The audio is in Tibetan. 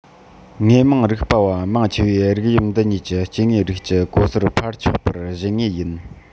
དངོས མང རིག པ བ མང ཆེ བའི རིགས དབྱིབས འདི གཉིས སྐྱེ དངོས རིགས ཀྱི གོ སར འཕར ཆོག པར བཞེད ངེས ཡིན